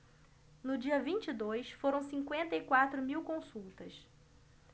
no dia vinte e dois foram cinquenta e quatro mil consultas